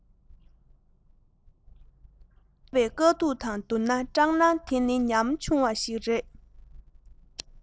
ཝ པགས གྱོན མཁས པའི མི ཞེས པའི སྲོགས ཆགས